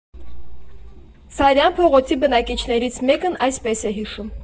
Սարյան փողոցի բնակիչներից մեկն այսպես է հիշում.